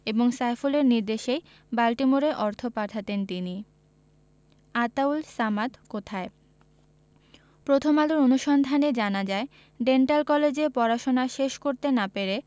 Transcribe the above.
এবং সাইফুলের নির্দেশেই বাল্টিমোরে অর্থ পাঠাতেন তিনি আতাউল সামাদ কোথায় প্রথম আলোর অনুসন্ধানে জানা যায় ডেন্টাল কলেজে পড়াশোনা শেষ করতে না পেরে